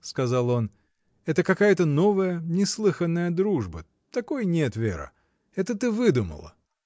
— сказал он, — это какая-то новая, неслыханная дружба: такой нет, Вера, — это ты выдумала!